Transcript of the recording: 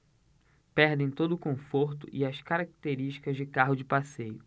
perdem todo o conforto e as características de carro de passeio